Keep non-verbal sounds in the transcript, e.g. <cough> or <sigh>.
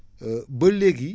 <hesitation> ba léegi